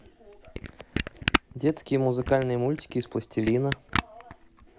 детские музыкальные мультики из пластилина